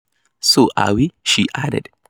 So are we," she added.